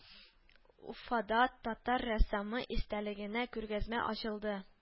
Уфада татар рәссамы истәлегенә күргәзмә ачылды